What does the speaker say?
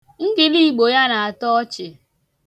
Ngiliigbo ya na-atọ ọchị.